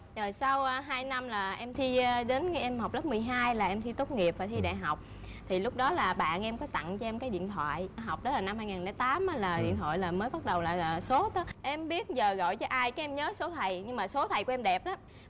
rồi sau ơ hai năm là em thi ờ đến em học lớp mười hai là em thi tốt nghiệp và thi đại học thì lúc đó là bạn em có tặng cho em cái điện thoại học đó là năm hai ngàn lẻ tám á là điện thoại là mới bắt đầu là sốt á em biết giờ gọi cho ai cái em nhớ số thầy nhưng mà số thầy của em đẹp lắm